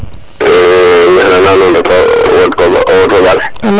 nana nuun o wod fo o ɓaal